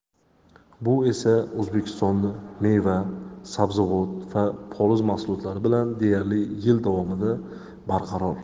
bu esa o'zbekistonni meva sabzavot va poliz mahsulotlari bilan deyarli yil davomida barqaror